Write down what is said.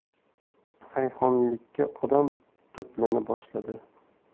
sayhonlikka odam to'plana boshladi